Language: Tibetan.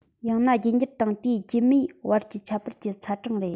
ཡང ན རྒྱུད འགྱུར དང དེའི རྒྱུད མའི བར གྱི ཁྱད པར གྱི ཚད གྲངས དེ